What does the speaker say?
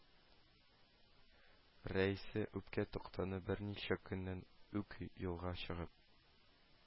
Рәисенә үпкә тотканы берничә көннән үк юлга чыгып